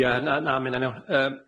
Ie na na ma' hynna'n iawn yym.